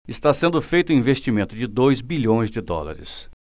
está sendo feito um investimento de dois bilhões de dólares